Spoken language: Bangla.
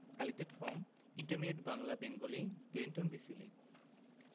collected from intermediate Bangla Bengali Clinton B Seely